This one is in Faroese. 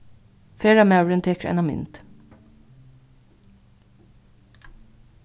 ferðamaðurin tekur eina mynd